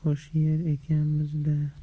yer ekanmiz da